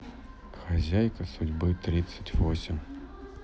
хозяйка судьбы тридцать восемь